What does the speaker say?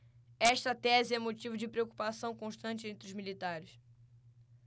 esta tese é motivo de preocupação constante entre os militares